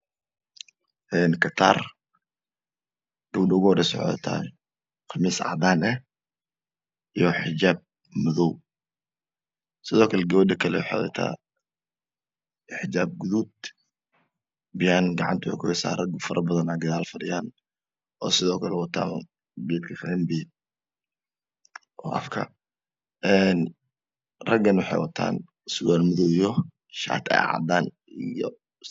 Kataar oo socota ah miis cadaan eh iyo xijaab madaw sidokle gabadh kle waxay wadataa xijaab gudud biiyaano caganta kuhaysaa oo sida kle way lafadhiya ragana waxay wataan surwal madaw ah iyo shaati cadaan ah